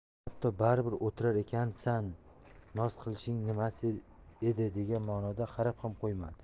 hatto baribir o'tirar ekansan noz qilishing nimasi edi degan ma'noda qarab ham qo'ymadi